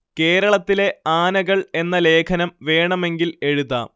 കേരളത്തിലെ ആനകൾ എന്ന ലേഖനം വേണമെങ്കിൽ എഴുതാം